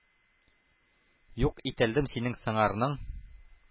Юк итәлдем синең сыңарның.